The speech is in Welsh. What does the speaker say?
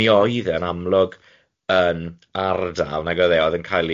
Mi oedd e yn amlwg yn ardal nag oedd e oedd yn cael